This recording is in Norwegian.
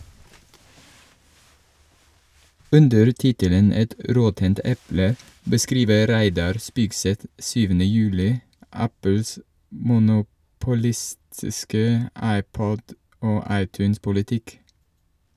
Under tittelen «Et råttent eple» beskriver Reidar Spigseth 7. juli Apples monopolistiske iPod- og iTunes-politikk.